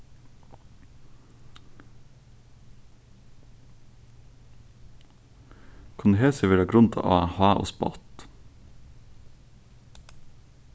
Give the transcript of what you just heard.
kunnu hesi verða grundað á háð og spott